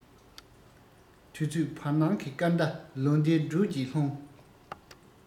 དུས ཚོད བར སྣང གི སྐར མདའ ལོ ཟླའི འགྲོས ཀྱིས ལྷུང